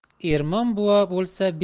ermon buva bo'lsa